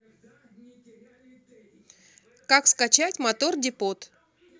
как скачать motor depot